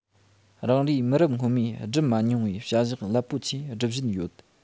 རང རེའི མི རབས སྔོན མས སྒྲུབ མ མྱོང བའི བྱ གཞག རླབས པོ ཆེ སྒྲུབ བཞིན ཡོད